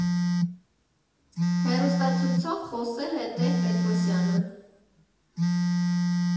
Հեռուստացույցով խոսել է Տեր֊֊Պետրոսյանը։